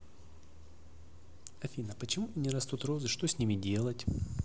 афина почему мне не растут розы что с ними делать